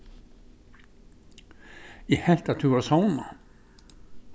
eg helt at tú vart sovnað